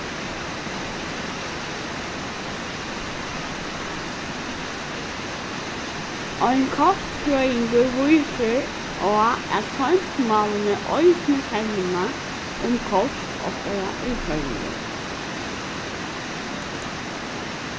ein kostfrøðingur vísir á at heimsmálini eisini fevna um kost okkara í føroyum